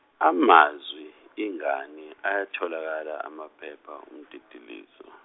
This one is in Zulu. amazwi ingani ayatholakala amaphepha, umtitilizo.